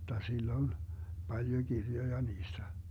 jotta sillä oli paljon kirjoja niistä